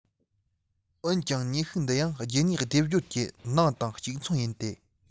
འོན ཀྱང ནུས ཤུགས འདི ཡང རྒྱུད གཉིས སྡེབ སྦྱོར གྱི ནང དང གཅིག མཚུངས ཡིན ཏེ